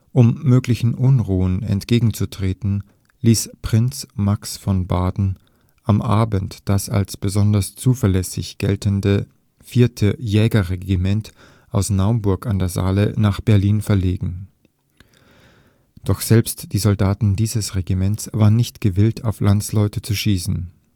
Um möglichen Unruhen entgegenzutreten, ließ Prinz Max von Baden am Abend das als besonders zuverlässig geltende 4. Jägerregiment aus Naumburg an der Saale nach Berlin verlegen. Doch selbst die Soldaten dieses Regiments waren nicht gewillt, auf Landsleute zu schießen